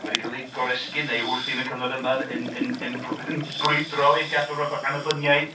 Oedd wedi cael eu goresgyn neu wrthi yn y cyfnod yma yn... yn... yn brwydro i gadw fatha annibyniaeth.